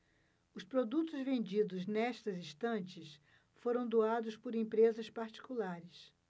os produtos vendidos nestas estantes foram doados por empresas particulares